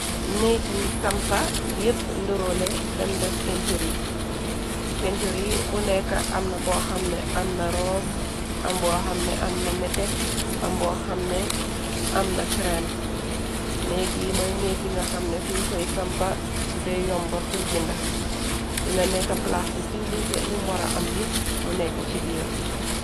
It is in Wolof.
nekkiñ sampa yépp ndëroole bem des penturi penturi bu nekk amna boo xamne amna roos amboo xamne am na nete amboo xamne amna krem nekk yi moy nekki nga xamne fuñ koy sampa dude yomba purjinda dina nekk plaas i siw liise lim wara am yépp mu nekka ci biir